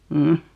mm